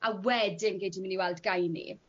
a wedyn gei di myn' i weld gyney.